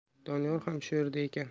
doniyor ham shu yerda ekan